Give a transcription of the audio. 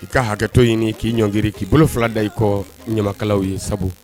I ka hakɛtɔ ɲini k'i ɲɔn gri k'i bolo fila da ii kɔ ɲamakalaw ye sabu